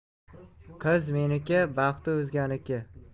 qiz meniki baxti o'zganiki